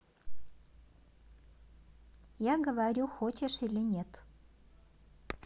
я говорю хочешь или нет